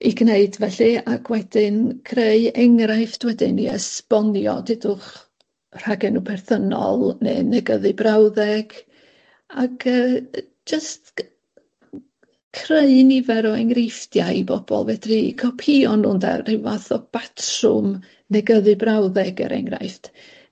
'u gneud felly, ac wedyn creu enghraifft wedyn i esbonio, dudwch, rhagenw perthynol ne' negyddu brawddeg ac yy yy jyst g- creu nifer o enghreifftiau i bobol fedru copïo nw ynde, ryw fath o batrwm negyddi brawddeg er enghraifft.